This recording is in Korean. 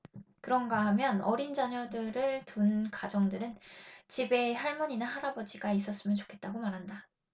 그런가 하면 어린 자녀를 둔 가정들은 집에 할아버지나 할머니가 있었으면 좋겠다고 말한다